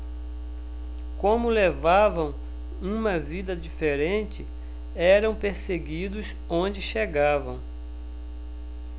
como levavam uma vida diferente eram perseguidos onde chegavam